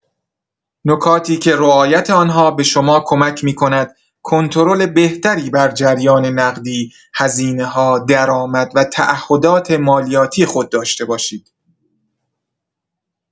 نکاتی که رعایت آن‌ها به شما کمک می‌کند کنترل بهتری بر جریان نقدی، هزینه‌ها، درآمد و تعهدات مالیاتی خود داشته باشید.